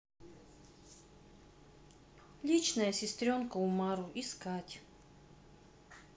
личная сестренка умару искать